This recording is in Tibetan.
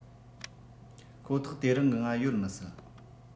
ཁོ ཐག དེ རིང གི ང ཡོད མི སྲིད